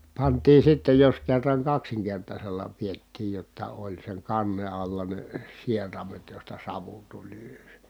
pantiin sitten jos kerran kaksinkertaisella pidettiin jotta oli sen kannen alla ne sieraimet josta savu tuli ylös